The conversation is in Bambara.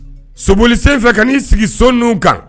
Sooli sen fɛ ka n'i sigi so ninnu kan